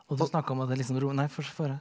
og du snakka om at liksom nei få høre.